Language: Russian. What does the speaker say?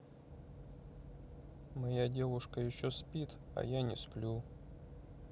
моя девушка еще спит а я не сплю